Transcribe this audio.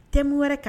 Thème wɛrɛ ka